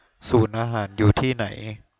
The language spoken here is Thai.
ศูนย์อาหารอยู่ที่ไหน